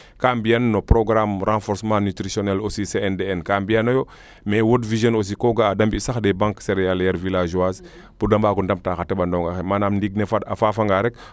kaa mbiyan no programme reforcement nutritionnel aussi CNDL kaa mbiyano yo mais Worl Vision aussi ko ga a de Banque cerealiaire vilageoise pour de mbaago ndamb daa xa teɓanongaxe manaam ndiing ne faafanga rek